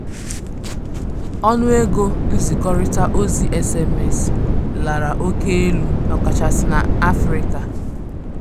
Ọnụego nzikọrịta ozi SMS lara oke elu, ọkachasị n'Africa.